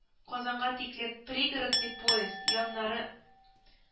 Казанга тикле пригородный поезд яннары